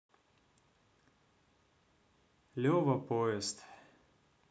лева поезд